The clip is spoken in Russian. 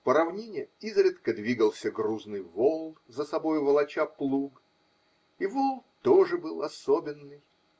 По равнине изредка двигался грузный вол, за собою волоча плуг, и вол тоже был особенный.